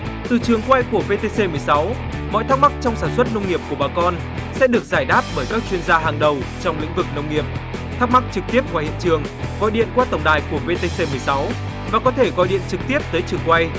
từ trường quay của vê tê xê mười sáu mọi thắc mắc trong sản xuất nông nghiệp của bà con sẽ được giải đáp bởi các chuyên gia hàng đầu trong lĩnh vực nông nghiệp thắc mắc trực tiếp ngoài hiện trường gọi điện qua tổng đài của vê tê xê mười sáu hoặc có thể gọi điện trực tiếp tới trường quay